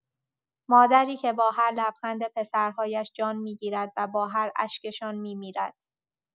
مادری که با هر لبخند پسرهایش جان می‌گیرد و با هر اشکشان می‌میرد.